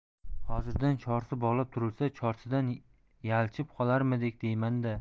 hozirdan chorsi bog'lab turilsa chorsidan yalchib qolarmidik deyman da